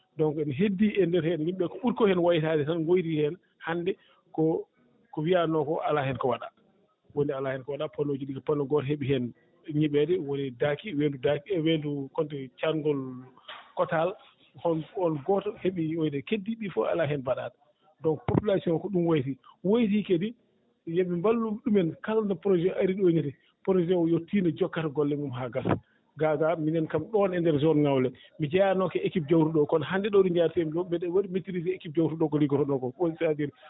donc ene heddi e ndeer heen min ɗo ko ɓuri koo heen woytaade tan woytii heen hannde ko ko wiyanoo koo alaa heen ko waɗaa woni alaa heen ko waɗaa paneau ji ɗi paneau gooto heɓi heen ñiɓeede woni Daaki weendu Daaki weendu fodde caaɗngol Kotaal oon gooto heɓi ñiiɓde keddiiɗi ɗii fof alaa heen baɗaaɗo donc: fra population ko ɗum woyitii woyitii kadi yo ɓe mballu ɗumen kala ɗo projet : fra oo ari ɗoo ne projet oo yo tiinno jokkata golle mum haa gasa gaa gaa minen kam ɗoon e ndeer zone ŋawle mi jeyanooka e équipe jawruɗo oo kono hannde ɗoo ɗoo ɗo njaareten ɗoo miɗo waɗi maitriser: fra équipe : fra njawtuɗo ɗoo ko liggotoo koo